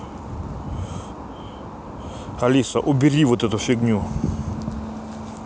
алиса убери вот эту фигню